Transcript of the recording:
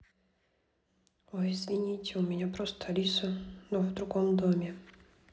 ой извини у меня просто алиса но в другом доме